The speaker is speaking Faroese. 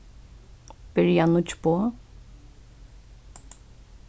byrja nýggj boð